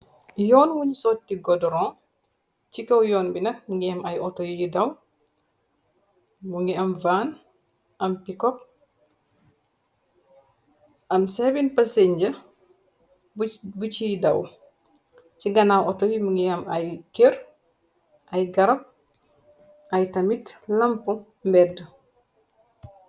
Yon bungh sot ci godoron, ci kaw yon bi nak mingi am ay autor yi daw, mu ngi am van, am pickup, am seven passenger buch bu chi daw, ci ganaaw autor yi mi ngi am ay Kerr, ay garab, ay tamit lampu mbedd.